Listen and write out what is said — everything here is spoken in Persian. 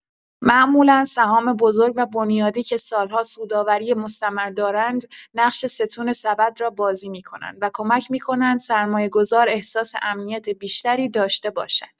معمولا سهام بزرگ و بنیادی که سال‌ها سودآوری مستمر دارند، نقش ستون سبد را بازی می‌کنند و کمک می‌کنند سرمایه‌گذار احساس امنیت بیشتری داشته باشد.